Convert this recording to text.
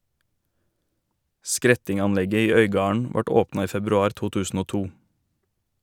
Skretting-anlegget i Øygarden vart åpna i februar 2002.